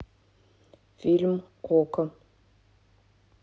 фильм окко